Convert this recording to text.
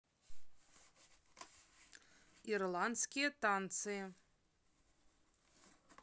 ирландские танцы